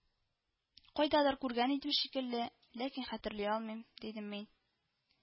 — кайдадыр күргән идем шикелле, ләкин хәтерли алмыйм,— дидем мин